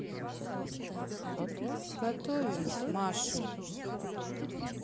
готовим с машей